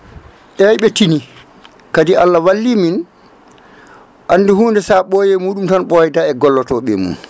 eyyi ɓe tini kadi Allah walli min andi hunde sa ɓooye muɗum tan ɓoyda e gollotoɓe e mum